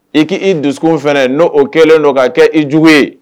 I k' i dusu fana n'o o kɛlen don ka kɛ i jugu ye